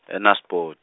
eNaspot-.